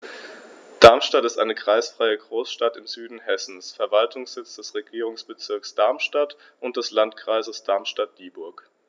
Darmstadt ist eine kreisfreie Großstadt im Süden Hessens, Verwaltungssitz des Regierungsbezirks Darmstadt und des Landkreises Darmstadt-Dieburg.